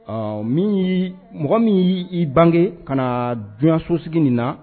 Ɔ min mɔgɔ min y' y'i bangege ka na jɔnso sigi nin na